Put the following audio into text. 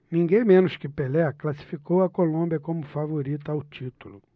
ninguém menos que pelé classificou a colômbia como favorita ao título